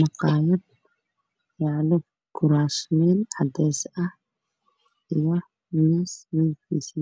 Maqaayad yaalo kuraas cadees ah iyo miis midabkiisa